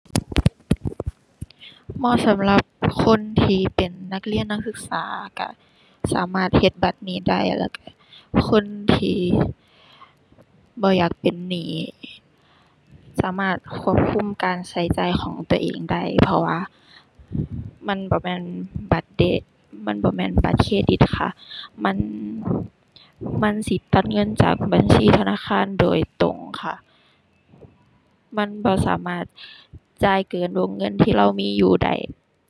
เหมาะสำหรับคนที่เป็นนักเรียนนักศึกษาก็สามารถเฮ็ดบัตรนี้ได้ แล้วก็คนที่บ่อยากเป็นหนี้ สามารถควบคุมการก็จ่ายของตัวเองได้ เพราะว่ามันบ่แม่นบัตรเด มันบ่แม่นบัตรเครดิตค่ะ มัน มันสิตัดเงินจากบัญชีธนาคารโดยตรงค่ะ มันบ่สามารถจ่ายเกินวงเงินที่เรามีอยู่ได้